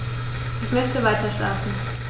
Ich möchte weiterschlafen.